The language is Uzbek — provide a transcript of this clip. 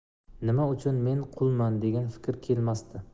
nima uchun men qulman degan fikr kelmasdi